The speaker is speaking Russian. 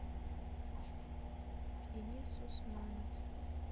денис усманов